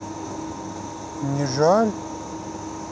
не жаль